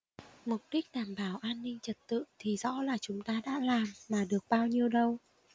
mục đích đảm bảo an ninh trật tự thì rõ là chúng ta đã làm mà được bao nhiêu đâu